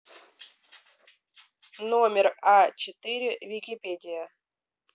номер а четыре википедия